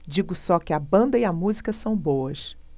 digo só que a banda e a música são boas